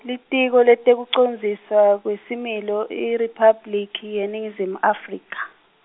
Litiko leTekucondziswa kweSimilo IRiphabliki yeNingizimu Afrika.